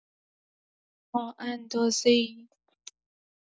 تا اندازه‌ای